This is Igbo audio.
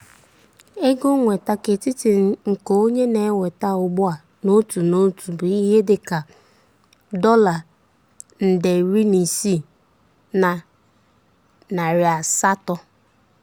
Ego nnweta ketiti nke onye na-enweta ugbu a n'otu n'otu bụ ihe dị ka dọla HK$16,800 (US$2,200)